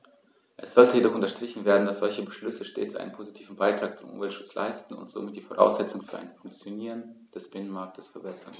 Es sollte jedoch unterstrichen werden, dass solche Beschlüsse stets einen positiven Beitrag zum Umweltschutz leisten und somit die Voraussetzungen für ein Funktionieren des Binnenmarktes verbessern.